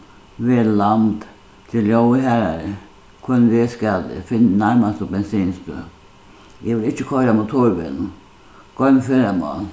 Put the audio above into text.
vel land ger ljóðið harðari hvønn veg skal eg finn nærmastu bensinstøð eg vil ikki koyra á motorvegnum goym ferðamál